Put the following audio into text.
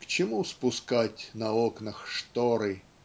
К чему спускать на окнах шторы.